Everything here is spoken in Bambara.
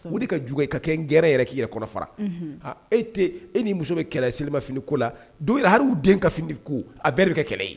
O de ka dugawu ye ka kɛ n gɛrɛ yɛrɛ k'i yɛrɛ e tɛ e ni muso bɛ kɛlɛ selilima fini ko la don har den ka finidi ko a bɛɛ kɛ kɛlɛ ye